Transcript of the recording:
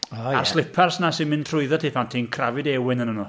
O ie... A'r slipars 'na sy'n mynd trwydda ti, pan ti'n crafu dy ewin yn y nhw.